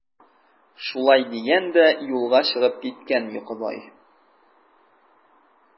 Шулай дигән дә юлга чыгып киткән Йокыбай.